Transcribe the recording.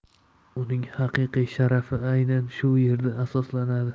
uning haqiqiy sharafi aynan shu erda asoslanadi